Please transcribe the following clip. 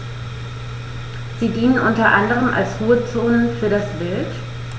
Sie dienen unter anderem als Ruhezonen für das Wild.